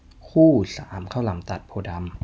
คู่สามข้าวหลามตัดโพธิ์ดำ